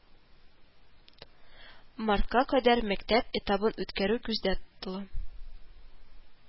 Мартка кадәр мәктәп этабын үткәрү күздә тотыла